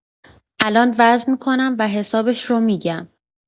الان وزن می‌کنم و حسابش رو می‌گم.